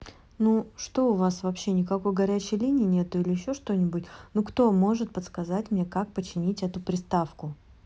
ну что у вас вообще никакой горячей линии нету или еще что нибудь ну кто может подсказать мне как починить эту приставку